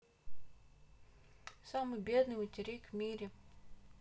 самый бедный материк в мире